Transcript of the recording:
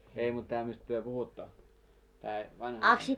ei mutta tämä mistä te puhuitte tämä vanha nainen